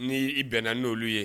N' i bɛnna n'olu ye